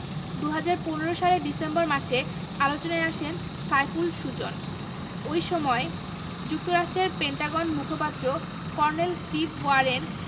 ২০১৫ সালের ডিসেম্বর মাসে আলোচনায় আসেন সাইফুল সুজন ওই সময় যুক্তরাষ্ট্রের পেন্টাগন মুখপাত্র কর্নেল স্টিভ ওয়ারেন